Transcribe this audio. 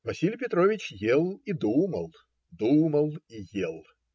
Василий Петрович ел и думал, думал и ел.